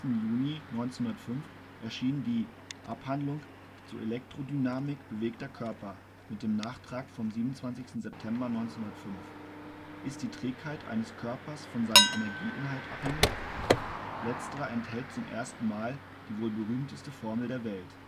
Juni 1905 erschien die Abhandlung Zur Elektrodynamik bewegter Körper mit dem Nachtrag vom 27. September 1905 Ist die Trägheit eines Körpers von seinem Energieinhalt abhängig? Letzterer enthält zum ersten Mal die wohl berühmteste Formel der Welt